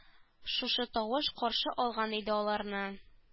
Шушы тавыш каршы алган иде аларны